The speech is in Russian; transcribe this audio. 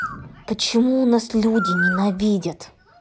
почему у нас люди ненавидят